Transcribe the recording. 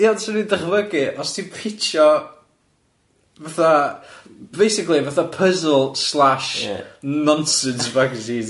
Ia ond swn i'n dychmygu, os ti'n pitsio fatha basically fatha puzzle slash... Ia. ...nonsense magazine yndi?